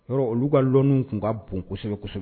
Yɔrɔ olu ka dɔnni kun ka bon kosɛbɛ kosɛbɛ.